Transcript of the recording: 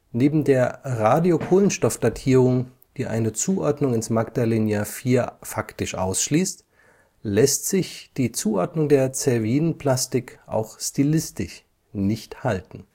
Neben der Radiokohlenstoffdatierung, die eine Zuordnung ins Magdalénien IV faktisch ausschließt, lässt sich die Zuordnung der Cerviden-Plastik auch stilistisch nicht halten